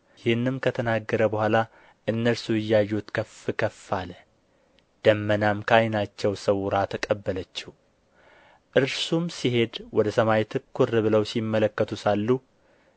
ይህንም ከተናገረ በኋላ እነርሱ እያዩት ከፍ ከፍ አለ ደመናም ከዓይናቸው ሰውራ ተቀበለችው እርሱም ሲሄድ ወደ ሰማይ ትኵር ብለው ሲመለከቱ ሳሉ